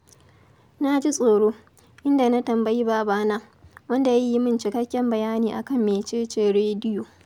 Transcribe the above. Na ji tsoro, inda na tambayi babana, wanda ya yi min cikakken bayani a kan mece ce rediyo.